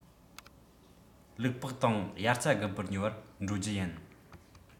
ལུག པགས དང དབྱར རྩྭ དགུན འབུ ཉོ བར འགྲོ རྒྱུ ཡིན